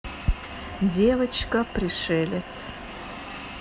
девочка пришелец